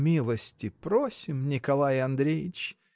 — Милости просим, Николай Андреич!